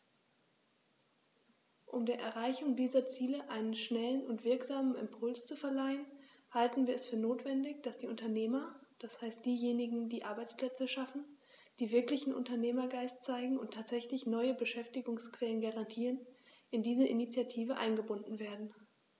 Um der Erreichung dieser Ziele einen schnellen und wirksamen Impuls zu verleihen, halten wir es für notwendig, dass die Unternehmer, das heißt diejenigen, die Arbeitsplätze schaffen, die wirklichen Unternehmergeist zeigen und tatsächlich neue Beschäftigungsquellen garantieren, in diese Initiative eingebunden werden.